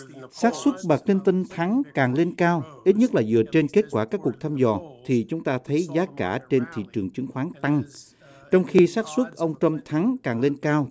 xác suất bà cờ lin tưn thắng càng lên cao ít nhất là dựa trên kết quả các cuộc thăm dò thì chúng ta thấy giá cả trên thị trường chứng khoán tăng trong khi xác suất ông trăm thắng càng lên cao